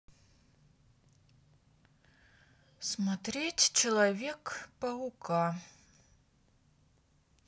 смотреть человек паука